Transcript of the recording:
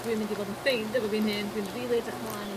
Dwi'n mynd i fod yn ffeind efo fi'n hun dwi'n rili edrych mlaen i